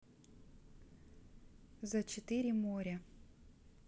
за четыре моря